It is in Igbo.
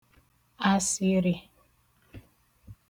àsị̀rị̀